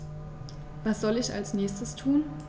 Was soll ich als Nächstes tun?